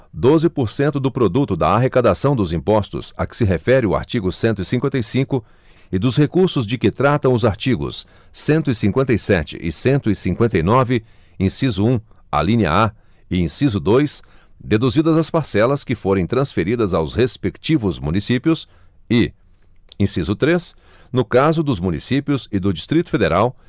doze por cento do produto da arrecadação dos impostos a que se refere o artigo cento e cinquenta e cinco e dos recursos de que tratam os artigos cento e cinquenta e sete e cento e cinquenta e nove inciso um alínea a e inciso dois deduzidas as parcelas que forem transferidas aos respectivos municípios e inciso três no caso dos municípios e do distrito federal